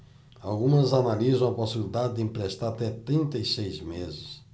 algumas analisam a possibilidade de emprestar até trinta e seis meses